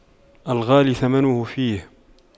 الغالي ثمنه فيه